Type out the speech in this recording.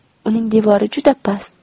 uning devori juda past